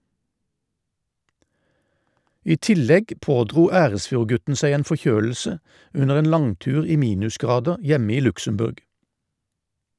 I tillegg pådro Eresfjord-gutten seg en forkjølelse under en langtur i minusgrader hjemme i Luxembourg.